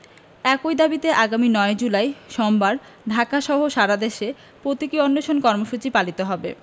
একই দাবিতে আগামী ৯ জুলাই সোমবার ঢাকাসহ সারাদেশে প্রতীকী অনশন কর্মসূচি পালিত হবে